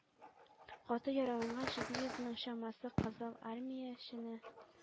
Каты яраланган җиде йөз мең чамасы кызылармиячене